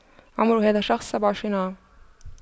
عمر هذا الشخص سبعة وعشرين عام